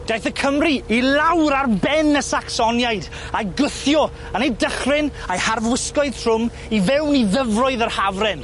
Daeth y Cymry i lawr ar ben y Sacsoniaid a'u gwthio yna'u dychryn, a'u harfwisgoedd trwm i fewn i ddyfroedd yr Hafren.